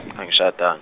angishadang-.